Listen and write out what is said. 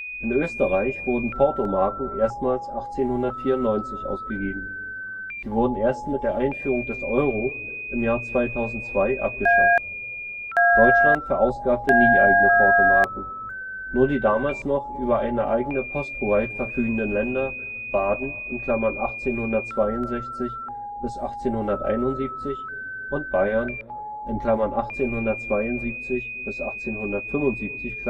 In Österreich wurden Portomarken erstmals 1894 ausgegeben. Sie wurden erst mit der Einführung des Euro im Jahre 2002 abgeschafft. Deutschland verausgabte nie eigene Portomarken. Nur die damals noch über eine eigene Posthoheit verfügenden Länder Baden (1862 – 1871) und Bayern (1862 – 1875